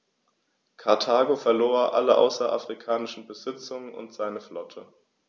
Karthago verlor alle außerafrikanischen Besitzungen und seine Flotte.